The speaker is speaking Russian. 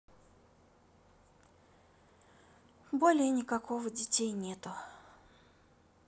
более никакого детей нету